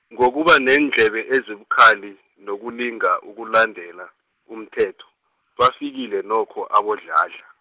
ngokuba neendlebe ezibukhali nokulinga ukulandela, umthetho, bafikile nokho aboDladla.